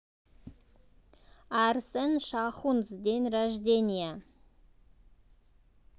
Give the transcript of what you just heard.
арсен шахунц день рождения